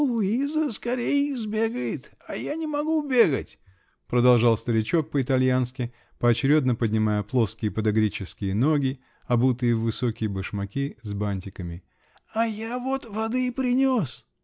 -- Луиза скорей сбегает, а я не могу бегать, -- продолжал старичок по-итальянски, поочередно поднимая плоские, подагрические ноги, обутые в высокие башмаки с бантиками, -- а я вот воды принес.